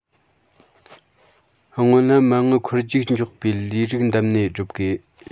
སྔོན ལ མ དངུལ འཁོར རྒྱུག མགྱོགས པའི ལས རིགས བདམས ནས བསྒྲུབ དགོས